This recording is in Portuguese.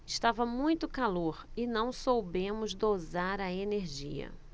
estava muito calor e não soubemos dosar a energia